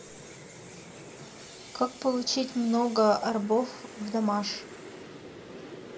как получить много орбов в damage